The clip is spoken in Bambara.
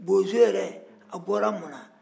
bozo yɛrɛ a bɔrɔ mun na